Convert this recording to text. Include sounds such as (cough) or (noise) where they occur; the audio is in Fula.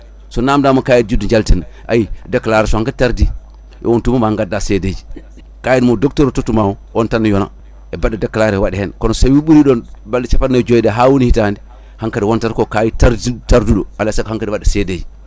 so namdama kayit juddu jaltina ayi déclaration o hankadi tardi e on tuma ko ma gadda seedeji kayit mo docteur o tottuma o on tan ne yona e baɗɗo déclaré o yo waɗe hen kono so tawi ɓuuri ɗon balɗe capanɗe nayyi e joyyi ɗe ha woni hitande hankkadi wontatan ko kayit (hesitation) tarduɗo alay saago hankkadi waɗa seedeji